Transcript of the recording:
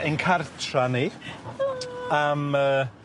Ein cartra ni. Helo! Am y